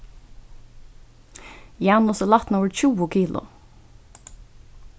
janus er lætnaður tjúgu kilo